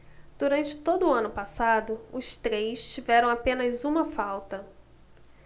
durante todo o ano passado os três tiveram apenas uma falta